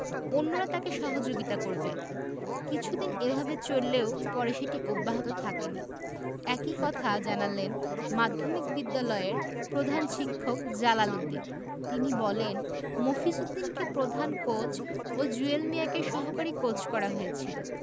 অন্যরা তাঁকে সহযোগিতা করবেন কিছুদিন এভাবে চললেও পরে সেটি অব্যাহত থাকেনি একই কথা জানালেন মাধ্যমিক বিদ্যালয়ের প্রধান শিক্ষক জালাল উদ্দিন তিনি বলেন মফিজ উদ্দিনকে প্রধান কোচ ও জুয়েল মিয়াকে সহকারী কোচ করা হয়েছিল